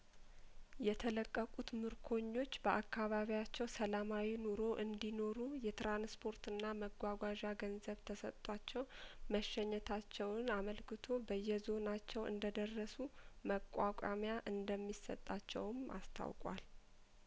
የተለቀቁት ምርኮኞች በአካባቢያቸው ሰላማዊ ኑሮ እንዲኖሩ የትራንስፖርትና መጓጓዣ ገንዘብ ተሰጥቷቸው መሸኘታቸውን አመልክቶ በየዞ ናቸው እንደደረሱ መቋቋሚያ እንደሚሰጣቸውም አስታውቋል